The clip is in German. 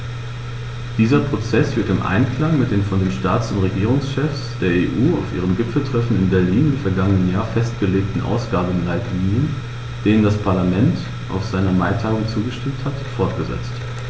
Dieser Prozess wird im Einklang mit den von den Staats- und Regierungschefs der EU auf ihrem Gipfeltreffen in Berlin im vergangenen Jahr festgelegten Ausgabenleitlinien, denen das Parlament auf seiner Maitagung zugestimmt hat, fortgesetzt.